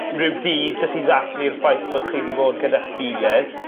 rhyw dydd jyst i ddathlu'r ffaith bod chi 'di bod gyda'ch gilydd